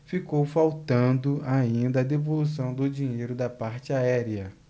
ficou faltando ainda a devolução do dinheiro da parte aérea